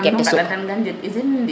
nam nu ŋenan tan kan njeŋ usine ndi